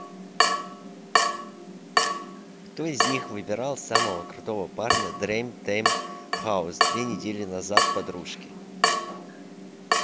кто из них выбирал самого крутого парня dream team house две недели назад подружки